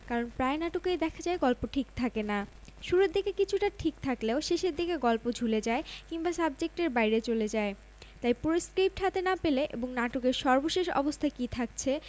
বিশ্বের সবচেয়ে বড় লেহেঙ্গা শাড়িতে অপরূপা জয়া ব্যতিক্রমী লেহেঙ্গা শাড়ি পরে সবার সামনে এসেছেন জনপ্রিয় অভিনেত্রী জয়া আহসান বিশ্বরেকর্ড তৈরির উদ্দেশ্যে ৪০০ মিটার দীর্ঘ পোশাকটি তৈরি করা হয়েছে